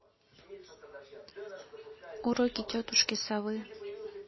уроки тетушки совы